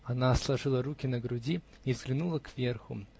Она сложила руки на груди и взглянула кверху